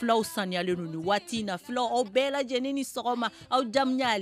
Fulaw saniyali ni waati in na fula aw bɛɛ lajɛlen ni ni sɔgɔma awjaya